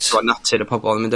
t'mo' natur y pobol yn mynd...